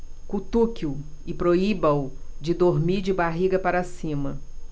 cutuque-o e proíba-o de dormir de barriga para cima